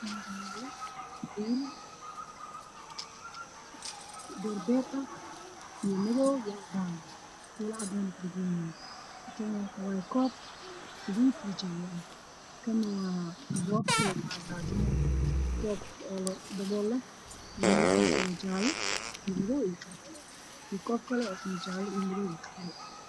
Meeshan waxaa yaalo agab kii Somalida hore isticmaali jirtay sida dhiil iyo dhakal